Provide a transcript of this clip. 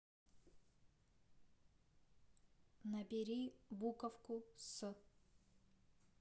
набери буковку с